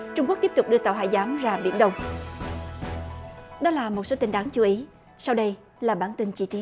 trung quốc tiếp tục đưa tàu hải giám ra biển đông đó là một số tin đáng chú ý sau đây là bản tin chi tiết